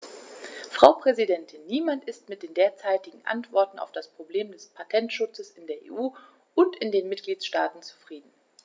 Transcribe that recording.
Frau Präsidentin, niemand ist mit den derzeitigen Antworten auf das Problem des Patentschutzes in der EU und in den Mitgliedstaaten zufrieden.